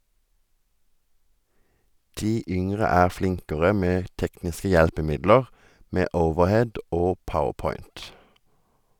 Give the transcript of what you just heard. De yngre er flinkere med tekniske hjelpemidler, med overhead og powerpoint.